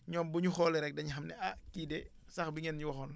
ñoom bu ñu xoolee rek dañuy xam ne ah kii de sax bi ngeen ñu waxoon